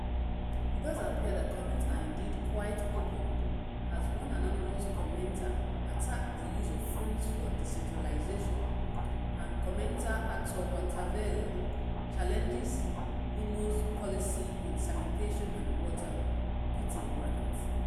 It does appear that comments are indeed quite open, as one anonymous commenter attacked the use of funds for decentralization, and commenter Artur Matavele challenges Frelimo's policy on sanitation and water [pt]